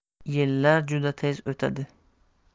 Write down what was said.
yillar juda tez o'tadi